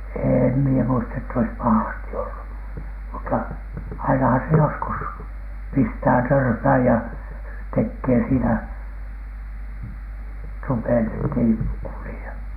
en minä muista että olisi pahasti ollut mutta ainahan se joskus pistää törmään ja tekee siinä tupet että ei kulje